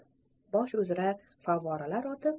boshlari uzra favvoralar otib